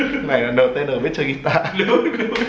đây lần đầu tiên biết chơi ghita